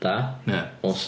Da... ia. ...Awesome.